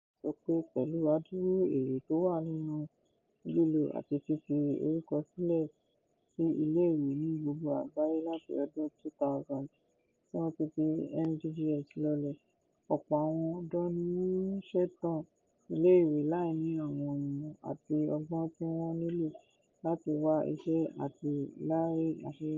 OECD sọ pé, pẹ̀lú adúrú èrè tó wà nínú lílọ àti fífi orúkọ sílẹ̀ sí iléèwé ní gbogbo àgbáyé láti ọdún 2000 tí wọ́n ti fi MDGs lọ́lẹ̀, ọ̀pọ̀ àwọn ọ̀dọ́ ni wọ́n ń ṣetán iléèwé láì ní àwọn ìmọ̀ àti ọgbọ́n tí wọ́n nílò láti wá iṣẹ́ àti lári ṣe àṣeyọrí.